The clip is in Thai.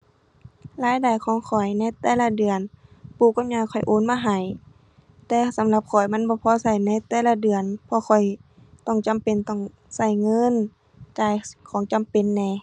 รายได้ของข้อยในแต่ละเดือนปู่กับย่าข้อยโอนมาให้ แต่สำหรับข้อยมันบ่พอใช้ในแต่ละเดือน เพราะข้อยต้องจำเป็นต้องใช้เงินจ่ายของจำเป็นแหน่